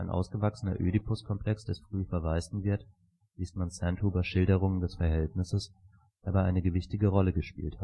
ausgewachsener Ödipus-Komplex des früh Verwaisten wird, liest man Sandhubers Schilderungen des Verhältnisses, dabei eine gewichtige Rolle gespielt